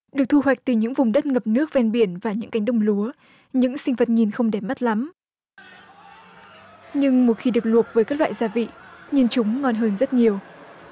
được thu hoạch từ những vùng đất ngập nước ven biển và những cánh đồng lúa những sinh vật nhìn không đẹp mắt lắm nhưng một khi được luộc với các loại gia vị nhìn chúng ngon hơn rất nhiều